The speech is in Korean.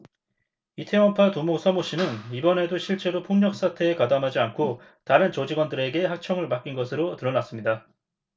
이태원파 두목 서 모 씨는 이번에도 실제로 폭력 사태에 가담하지 않고 다른 조직원들에게 하청을 맡긴 것으로 드러났습니다